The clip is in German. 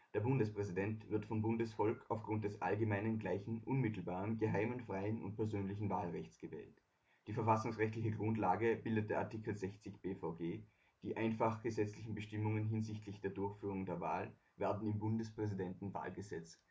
Bundespräsident wird vom Bundesvolk auf Grund des allgemeinen, gleichen, unmittelbaren, geheimen, freien und persönlichen Wahlrechts gewählt. Die verfassungsrechtliche Grundlage bildet der (Art. 60 B-VG), die einfachgesetzlichen Bestimmungen hinsichtlich der Durchführung der Wahl werden im Bundespräsidentenwahlgesetz